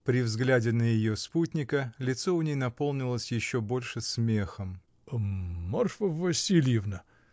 При взгляде на ее спутника лицо у ней наполнилось еще больше смехом. — Марфа Васильевна!